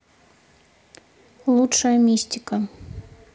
лучшая мистика